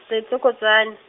setsokotsane.